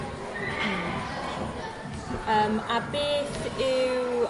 Hmm. yym a beth yw